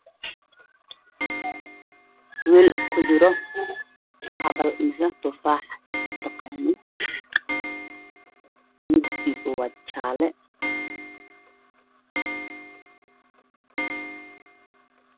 Waa waxaa ka buux tufaax farabadan oo midabkeedu yahay jaallo